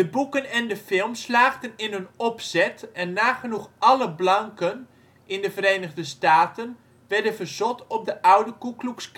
boeken en de film slaagden in hun opzet en nagenoeg alle blanken in de Verenigde Staten werden verzot op de oude Ku Klux